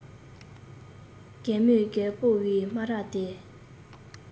རྒན མོས རྒད པོའི སྨ ར དེར